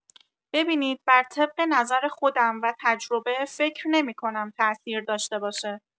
ببینید بر طبق نظر خودم و تجربه فکر نمی‌کنم تاثیر داشته باشه.